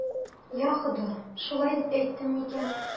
Йа Хода, шулай дип әйттем микән?